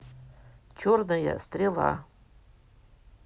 черная стрела